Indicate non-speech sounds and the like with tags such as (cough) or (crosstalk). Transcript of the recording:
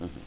(hesitation) (hesitation)